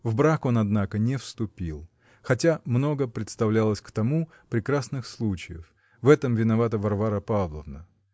В брак он, однако, не вступил, хотя много представлялось к тому прекрасных случаев: в этом виновата Варвара Павловна.